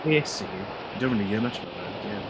Kasey, you don't really hear much about her, do you?